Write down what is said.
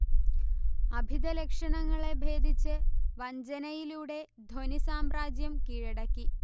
അഭിധ ലക്ഷണങ്ങളെ ഭേദിച്ച് വഞ്ജനയിലൂടെ ധ്വനിസാമ്രാജ്യം കീഴടക്കി